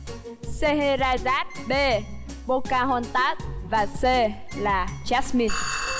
xê hê ra dát bê bô ca hôn tát và sê là trát min